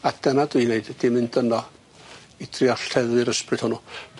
A dyna dwi'n neud ydi mynd yno i dria lleddfu'r ysbryd hwnnw.